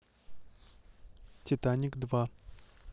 титаник два